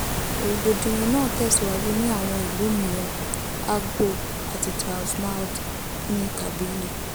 Rògbòdìyàn náà tẹ̀síwájú ní àwọn ìlú mìíràn: Akbou àti Tazmalt ní Kabylie.